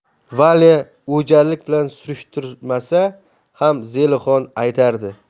valya o'jarlik bilan surishtirmasa ham zelixon aytardi